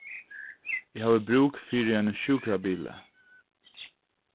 eg havi brúk fyri einum sjúkrabili